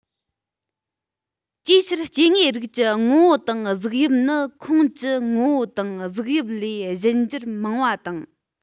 ཅིའི ཕྱིར སྐྱེ དངོས རིགས ཀྱི ངོ བོ དང གཟུགས དབྱིབས ནི ཁོངས ཀྱི ངོ བོ དང གཟུགས དབྱིབས ལས གཞན འགྱུར མང བ དང